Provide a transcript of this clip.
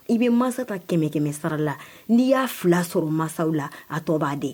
I bɛ masa ka kɛmɛ kɛmɛ sarari la n'i y'a fila sɔrɔ masaw la a tɔ b'a de